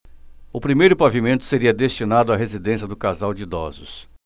o primeiro pavimento seria destinado à residência do casal de idosos